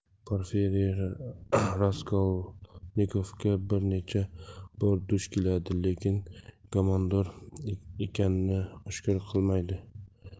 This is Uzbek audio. porfiriy raskolnikovga bir necha bor duch keladi lekin u gumondor ekanini oshkor qilmaydi